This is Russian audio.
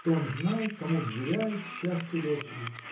что он знает, кому вверяет счастье дочери.